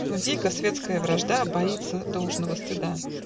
Но дико светская вражда Боится ложного стыда.